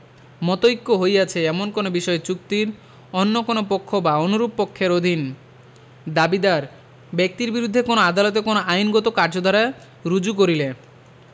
মতৈক্য হইয়াছে এমন কোন বিষয়ে চুক্তির অন্য কোন পক্ষ বা অনুরূপ পক্ষের অধীন দাবিদার ব্যক্তির বিরুদ্ধে কোন আদালতে কোন আইনগত কার্যধারা রুজু করিলে